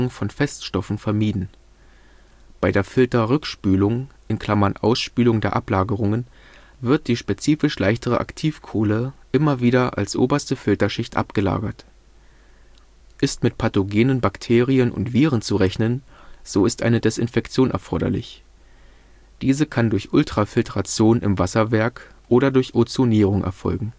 von Feststoffen vermieden. Bei der Filterrückspülung (Ausspülung der Ablagerungen) wird die spezifisch leichtere Aktivkohle immer wieder als oberste Filterschicht abgelagert. Ist mit pathogenen Bakterien und Viren zu rechnen, so ist eine Desinfektion erforderlich. Diese kann durch Ultrafiltration im Wasserwerk oder durch Ozonierung erfolgen